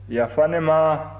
yafa ne ma